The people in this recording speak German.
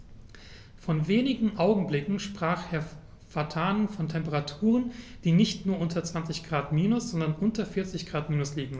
Vor wenigen Augenblicken sprach Herr Vatanen von Temperaturen, die nicht nur unter 20 Grad minus, sondern unter 40 Grad minus liegen.